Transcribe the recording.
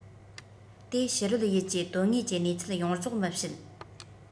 དེ ཕྱི རོལ ཡུལ གྱི དོན དངོས ཀྱི གནས ཚུལ ཡོངས རྫོགས མི བྱེད